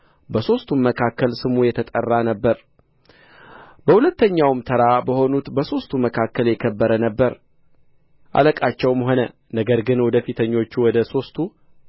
በሦስቱም መካከል ስሙ የተጠራ ነበረ በሁለተኛውም ተራ በሆኑት በሦስቱ መካከል የከበረ ነበረ አለቃቸውም ሆነ ነገር ግን ወደ ፊተኞቹ ወደ ሦስቱ